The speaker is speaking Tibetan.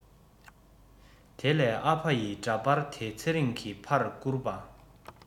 དེ ལས ཨ ཕ ཡི འདྲ པར དེ ཚེ རིང གི ཕར བསྐུར པ